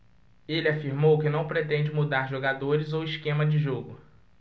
ele afirmou que não pretende mudar jogadores ou esquema de jogo